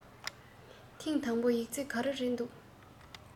ཐེང དང པོའི ཡིག ཚད ག རེ རེད འདུག